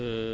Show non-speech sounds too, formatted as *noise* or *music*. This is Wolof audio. *hesitation* *hesitation*